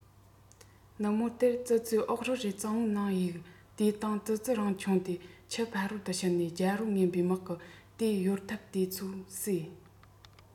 ནུབ མོ དེར ཙི ཙིས ཨོག རིལ རེ གཙང པོའི ནང གཡུག དེའི སྟེང ཙི ཙི རང མཆོངས ཏེ ཆུ ཕ རོལ དུ ཕྱིན ནས རྒྱལ པོ ངན པའི དམག གི རྟའི ཡོབ ཐག དེ ཚོ ཟས